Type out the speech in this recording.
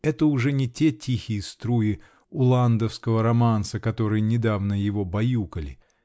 Это уже не те тихие струи уландовского романса, которые недавно его баюкали.